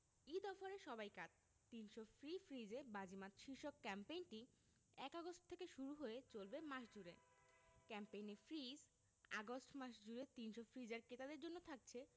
ঈদ অফারে সবাই কাত ৩০০ ফ্রি ফ্রিজে বাজিমাত শীর্ষক ক্যাম্পেইনটি ১ আগস্ট থেকে শুরু হয়ে চলবে মাস জুড়ে ক্যাম্পেইনে ফ্রিজ আগস্ট মাস জুড়ে ৩০০ ফ্রিজার ক্রেতাদের জন্য থাকছে